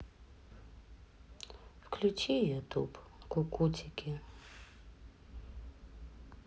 включи ютуб кукутики